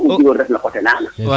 kate lana